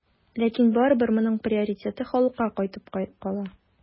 Ләкин барыбер моның приоритеты халыкка кайтып кала.